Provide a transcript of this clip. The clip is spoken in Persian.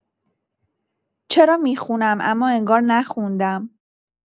چرا می‌خونم اما انگار نخوندم